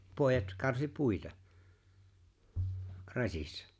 pojat karsi puita rasissa